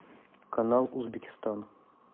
канал узбекистан